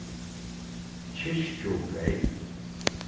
kirkjubreyt